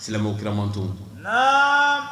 Silamɛma kiraramant